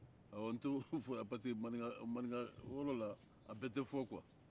awɔ n t'o fɔ yan parce que maninka-maninka yɔrɔ la a bɛɛ tɛ fɔ kuwa